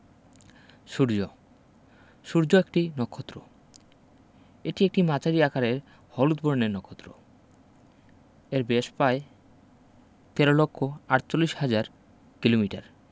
সূর্য সূর্য একটি নক্ষত্র এটি একটি মাঝারি আকারের হলুদ বর্ণের নক্ষত্র এর ব্যাস পায় ১৩ লক্ষ ৪৮ হাজার কিলোমিটার